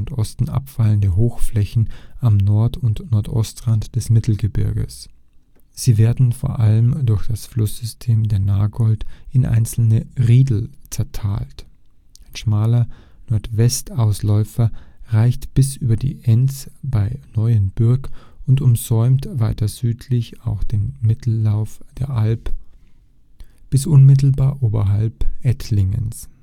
Osten abfallende Hochflächen am Nord - und Nordostrand des Mittelgebirges. Sie werden vor allem durch das Flusssystem der Nagold in einzelne Riedel zertalt; ein schmaler Nordwestausläufer reicht bis über die Enz bei Neuenbürg und umsäumt weiter westlich auch den Mittellauf der Alb bis unmittelbar oberhalb Ettlingens